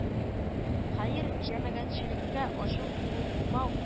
Хәер, җәмәгатьчелеккә ачык булу-булмау